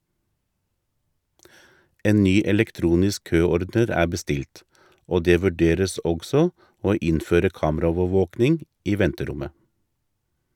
En ny elektronisk køordner er bestilt, og det vurderes også å innføre kameraovervåking i venterommet.